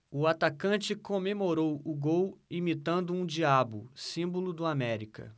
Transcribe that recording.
o atacante comemorou o gol imitando um diabo símbolo do américa